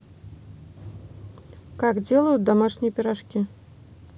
как делают домашние пирожки